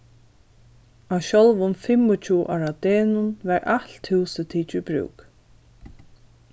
á sjálvum fimmogtjúgu ára degnum varð alt húsið tikið í brúk